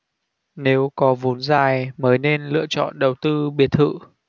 nếu có vốn dài mới nên lựa chọn đầu tư biệt thự